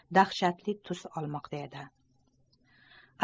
dahshatli tus olmoqda edi